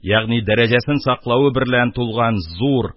Ягъни дәрәҗәсен саклавы белән тулган зур